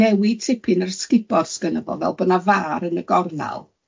newid tipyn yr sgubor sgynny fo, fel bo' na fâr yn y gornal.